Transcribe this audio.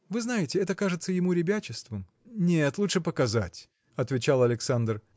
Вы знаете, это кажется ему ребячеством. – Нет, лучше показать! – отвечал Александр.